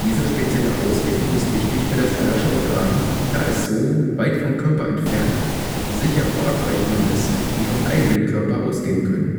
Diese spezielle Ausrichtung ist wichtig für das Hallersche Organ, da es so, weit vom Körper entfernt, sicher vor Abweichungen ist, die vom eigenen Körper ausgehen können